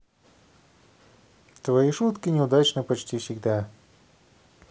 твои шутки неудачные почти всегда